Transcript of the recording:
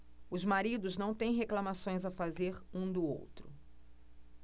os maridos não têm reclamações a fazer um do outro